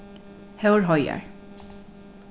hórheiðar